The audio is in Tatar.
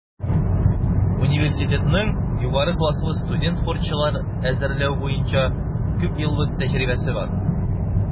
Университетның югары класслы студент-спортчылар әзерләү буенча күпьеллык тәҗрибәсе бар.